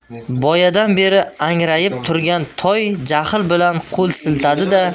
boyadan beri angrayib turgan toy jahl bilan qo'l siltadi da